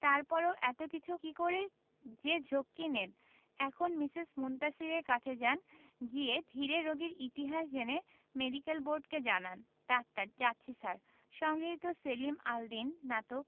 তারপরেও এত কিছুর কি করে যে ঝক্কি নেন এখন মিসেস মুনতাসীরের কাছে যান গিয়ে ধীরে রোগীর ইতিহাস জেনে মেডিকেল বোর্ডকে জানান ডাক্তার যাচ্ছি স্যার সংগৃহীত সেলিম আল দীন নাটক